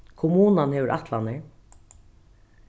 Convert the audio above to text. kommunan hevur ætlanir